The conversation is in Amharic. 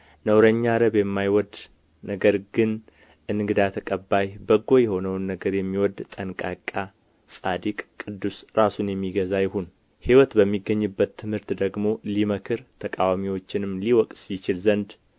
ነውረኛ ረብ የማይወድ ነገር ግን እንግዳ ተቀባይ በጎ የሆነውን ነገር የሚወድ ጠንቃቃ ጻድቅ ቅዱስ ራሱን የሚገዛ ይሁን ሕይወት በሚገኝበት ትምህርት ደግሞ ሊመክር ተቃዋሚዎቹንም ሊወቅስ ይችል ዘንድ